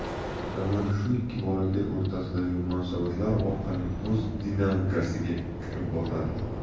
roman shu ikki bolakay o'rtasidagi munosabatlar orqali o'z dinamikasiga kirib boradi